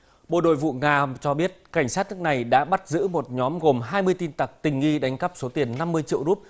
bộ nội vụ nga cho biết cảnh sát nước này đã bắt giữ một nhóm gồm hai mươi tin tặc tình nghi đánh cắp số tiền năm mươi triệu rúp